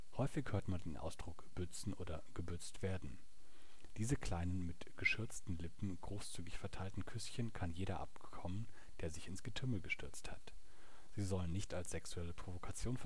Häufig hört man den Ausdruck bützen oder gebützt werden. Diese kleinen, mit geschürzten Lippen großzügig verteilten Küsschen kann jeder abbekommen, der sich ins Getümmel gestürzt hat. Sie sollten nicht als sexuelle Provokation